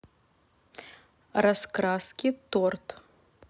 раскраски торт